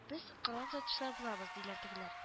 Без кәрван озатучылар булабыз, диләр тегеләр